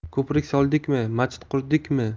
ko'prik soldikmi machit qurdikmi